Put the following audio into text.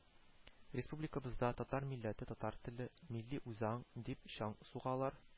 Республикабызда «татар милләте», «татар теле», «милли үзаң» дип чаң сугалар